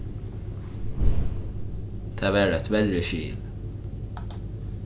tað var eitt verri skil